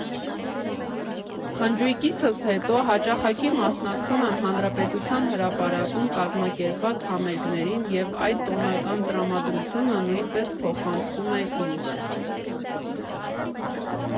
Խնջույքիցս հետո հաճախակի մասնակցում եմ Հանրապետության հրապարակում կազմակերպված համերգներին և այդ տոնական տրամադրությունը նույնպես փոխանցվում է ինձ։